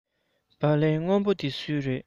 སྦ ལན སྔོན པོ འདི སུའི རེད